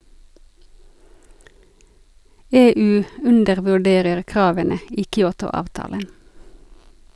- EU undervurderer kravene i Kyoto-avtalen.